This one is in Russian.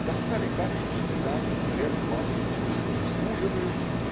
Достали кашу, сметану, хлеб, масло. Ужинают.